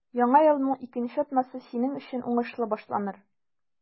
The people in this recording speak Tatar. Яңа елның икенче атнасы синең өчен уңышлы башланыр.